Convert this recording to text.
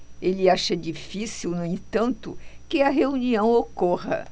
ele acha difícil no entanto que a reunião ocorra